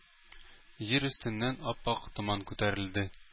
Җир өстеннән ап-ак томан күтәрелде.